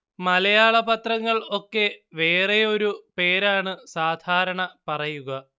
മലയാള പത്രങ്ങൾ ഒക്കെ വേറെ ഒരു പേരാണ് സാധാരണ പറയുക